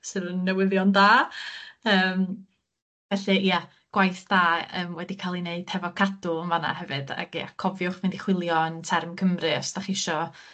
syr yn newyddion da yym felly ia gwaith da yym wedi ca'l 'i neud hefo Cadw yn fan 'na hefyd ag ia cofiwch mynd i chwilio yn Term Cymru os 'dach chi isio